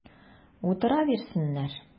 Утыра бирсеннәр!